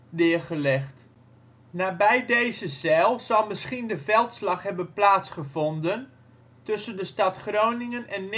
neergelegd. Nabij deze zijl zal misschien de veldslag hebben plaatsgevonden tussen de stad Groningen en